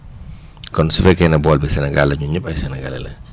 kon su fekkee ne bool bi Sénégal la ñun ñëpp ay sénégalais lañ